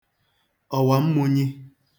ọ̀wàmmūnyī